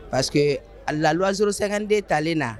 Parceseke que a lwasosɛden talen na